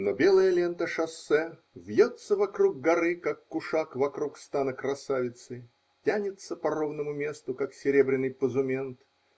Но белая лента шоссе вьется вокруг горы, как кушак вокруг стана красавицы, тянется по ровному месту, как серебряный позумент.